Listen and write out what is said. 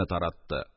Таратты